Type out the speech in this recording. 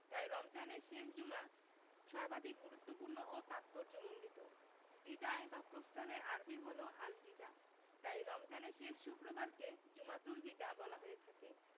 তাই রমজানের শেষ জুমা সর্বাধিক গুরুত্বপূর্ণ ও তাৎপর্যমণ্ডিত বিদায় বা প্রস্থানের আরবি হলো আল বিদা তাই রমজানের শেষ শুক্রবারকে জুমাতুল বিদা বলা হয়ে থাকে